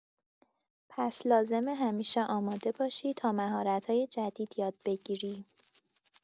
پس لازمه همیشه آماده باشی تا مهارت‌های جدید یاد بگیری.